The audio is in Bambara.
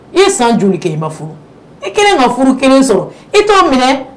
I ye san jo kɛ i ma furu i kelen ka furu kelen sɔrɔ i t'a minɛ